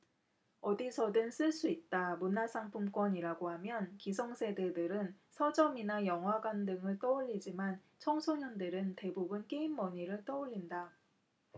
어디서든 쓸 수 있다문화상품권이라고 하면 기성세대들은 서점이나 영화관 등을 떠올리지만 청소년들은 대부분 게임머니를 떠올린다